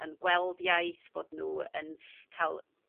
yn gweld iaith bod n'w yn ca'l